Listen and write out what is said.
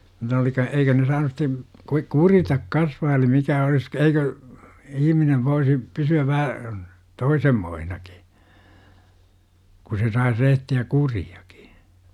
niitä oli - eikö ne saanut sitten - kuritta kasvaa eli mikä olisi eikö ihminen voisi pysyä vähän toisenmoisenakin kun se saisi rehtiä kuriakin